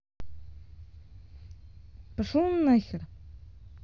пошел нахер